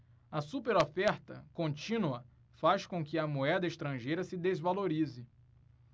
a superoferta contínua faz com que a moeda estrangeira se desvalorize